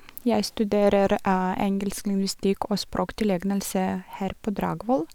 Jeg studerer engelsk lingvistikk og språktilegnelse her på Dragvoll.